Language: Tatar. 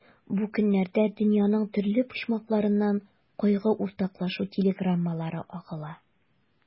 Бу көннәрдә дөньяның төрле почмакларыннан кайгы уртаклашу телеграммалары агыла.